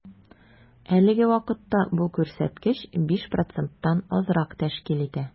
Әлеге вакытта бу күрсәткеч 5 проценттан азрак тәшкил итә.